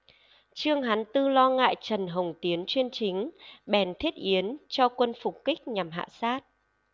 trương hán tư lo ngại trần hồng tiến chuyên chính bèn thiết yến cho quân phục kích nhằm hạ sát